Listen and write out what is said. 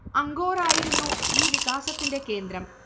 Angkor ആയിരുന്നു ഈ വികാസത്തിന്റെ കേന്ദ്രം